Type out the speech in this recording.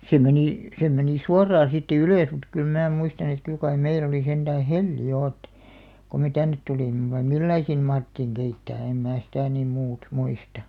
se meni se meni suoraan siitä ylös mutta kyllä minä muistan että kyllä kai meillä oli sentään hella jo että kun me tänne tulimme vai millä lailla siinä mahdettiin keittää en minä sitä niin muuta muista